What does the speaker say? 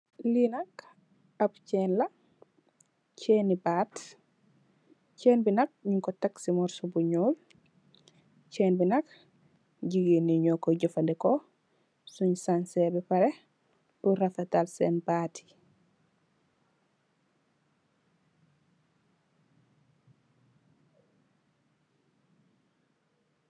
Lee nak ab chein la chein ne batt chein be nak nugku tek se mursu bu nuul chein be nak jegain ye nukoy jefaneku sun sanseh ba pareh pur refetal sen batt ye.